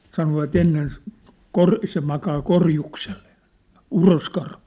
sanoivat ennen - se makaa korjuksella uroskarhu